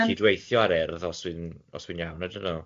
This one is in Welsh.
cydweithio ar Urdd, os fi'n os fi'n iawn ydyn nhw?